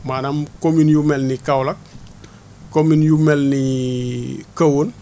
maanaam communes yu mel ni Kaolack communes yu mel ni Kahone